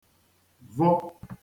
vọ